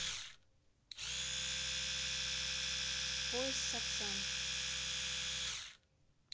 поезд сапсан